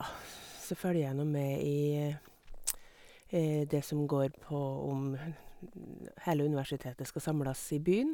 Så følger jeg nå med i det som går på om hele universitetet skal samles i byn.